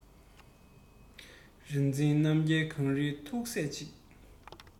རིག འཛིན རྣམ རྒྱལ གངས རིའི ཐུགས སྲས ཡིན